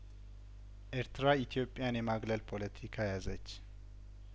ኤርትራ ኢትዮጵያን የማግለል ፖለቲካ ያዘች